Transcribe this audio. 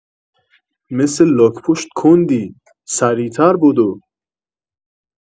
مثل لاک‌پشت کندی سریع‌تر بدو